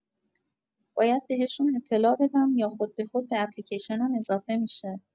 باید بهشون اطلاع بدم یا خود به خود به اپلیکیشنم اضافه می‌شه؟!